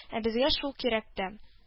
Ә безгә шул кирәк тә